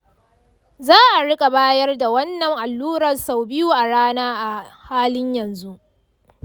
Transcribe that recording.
za a riƙa bayar da wannan allurar sau biyu a rana a halin yanzu.